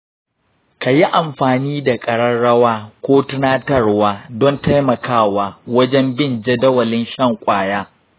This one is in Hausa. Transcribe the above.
ka yi amfani da ƙararrawa ko tunatarwa don taimakawa wajen bin jadawalin shan kwaya.